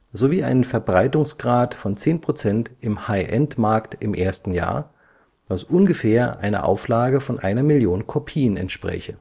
sowie einen Verbreitungsgrad von 10 Prozent im High-End-Markt im ersten Jahr, was ungefähr einer Auflage von einer Million Kopien entspräche